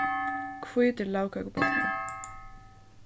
hvítir lagkøkubotnar